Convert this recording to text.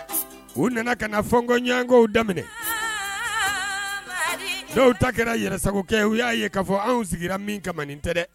U nana ka na fɔkoɲɔgɔnko daminɛ n'o ta kɛra yɛrɛsa u y'a ye k ka fɔ anw sigira min ka nin tɛ dɛ